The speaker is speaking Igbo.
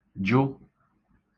jụ